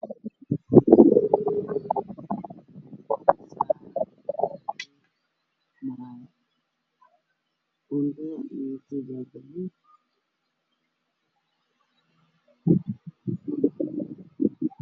Waa derbis jaban waxaa saaran ay midifkiisu yahay jaallo oyinkiisa waa buluug